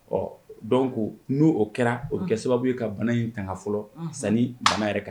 Ɔ donc ni o kɛra o bɛ kɛ sababu ye ka bana in tanga fɔlɔ sani bana yɛrɛ ka